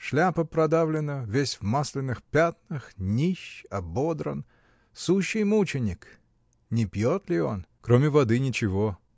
Шляпа продавлена, весь в масляных пятнах, нищ, ободран. Сущий мученик! Не пьет ли он? — Кроме воды, ничего.